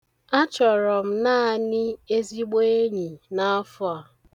Achọrọ naanị ezigbo enyi n'afọ a.